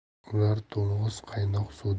o'lar to'ng'iz qaynoq